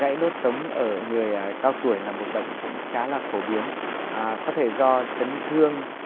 gãy đốt sống ở người cao tuổi là một bệnh cũng khá là phổ biến à có thể do chấn thương